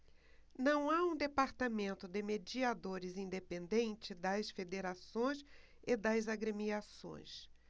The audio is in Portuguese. não há um departamento de mediadores independente das federações e das agremiações